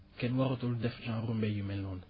kenn waratul def genre mbay yu mel noonu